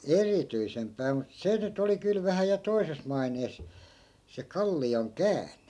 erityisempää mutta se nyt oli kyllä vähän ja toisessa maineessa se kallion käänne